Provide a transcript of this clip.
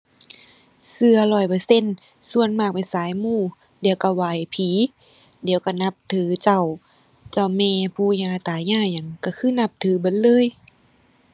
เชื่อร้อยเปอร์เซ็นต์ ส่วนมากเป็นสายมู เดี๋ยวเชื่อไหว้ผี เดี๋ยวเชื่อนับถือเจ้า เจ้าแม่ปู่ย่าตายายหยัง เชื่อคือนับถือเบิดเลย